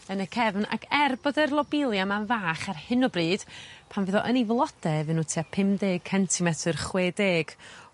yn y cefn ac er bod y'r lobelia yma'n fach ar hyn o bryd pan fydd o yn 'i flode fy' n'w tua pum deg centimetr chwe deg